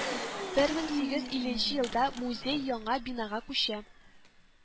Бер мең сигез илленче елда музей яңа бинага күчә